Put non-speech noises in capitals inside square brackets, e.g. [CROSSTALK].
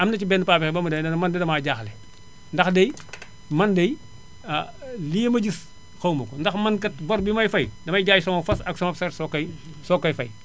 am na ci benn paa boo xamante ne dane man de damaa jaaxle ndax de [NOISE] maa de [HESITATION] lii ma gis xawma ko ndax man kat bor bi may fay [NOISE] damay jaay sama fas ak samab charette soog koy soog koy fay